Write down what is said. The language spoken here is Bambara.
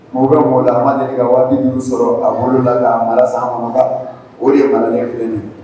Mɔgɔ bɛ mɔgɔ la a ma deli ka waatijibi sɔrɔ a malola ka san kɔnɔ o de ye malolen filɛ don